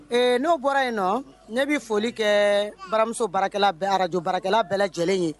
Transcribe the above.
Ee n'o bɔra yen nɔ ne bɛ foli kɛ baramuso baara radio barakɛla bɛɛ lajɛlen ye